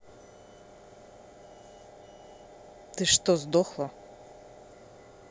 ты что сдохла